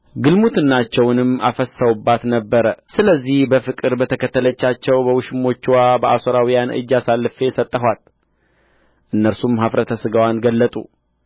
ግልሙትናቸውንም አፍስሰውባት ነበር ስለዚህ በፍቅር በተከተለቻቸው በውሽሞችዋ በአሦራውያን እጅ አሳልፌ ሰጠኋት እነርሱም ኅፍረተ ሥጋዋን ገለጡ